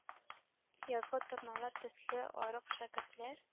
Язгы торналар төсле арык шәкертләр